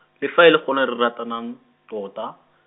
le fa e le gone re ratanang, tota.